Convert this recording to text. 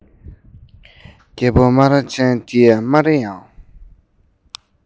རྒད པོ སྨ ར ཅན དེས སྨ ར ཡང